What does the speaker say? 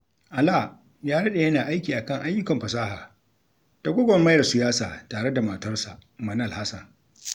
Alaa ya daɗe yana aiki a kan ayyukan fasaha da gwagwarmayar siyasa tare da matarsa, Manal Hassan.